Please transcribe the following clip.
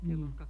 niin